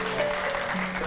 và